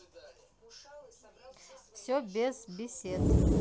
все без бесед